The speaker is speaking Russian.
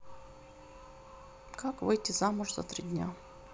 как выйти замуж за три дня